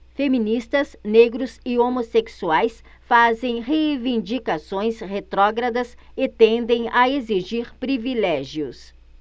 feministas negros e homossexuais fazem reivindicações retrógradas e tendem a exigir privilégios